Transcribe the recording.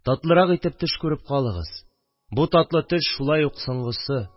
Татлырак итеп төш күреп калыгыз – бу татлы төш шулай ук соңгысы